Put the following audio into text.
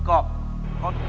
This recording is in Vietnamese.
con cọp